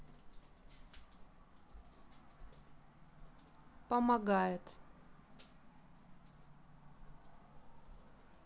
помогает